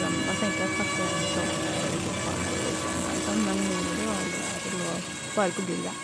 Sånn, man tenker jo at katter gjerne vil sove i sofaen eller senga eller sånn, men noen av de var veldig rare og lå bare på gulvet.